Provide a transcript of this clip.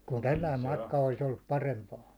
kun tällainen matka olisi ollut parempaan